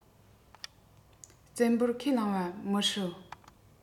བཙན པོར ཁས བླངས པ མི སྲིད